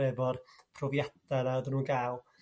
efo'r profiada' 'na o'ddan nhw'n ga'l.